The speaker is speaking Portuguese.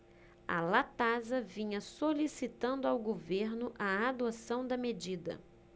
a latasa vinha solicitando ao governo a adoção da medida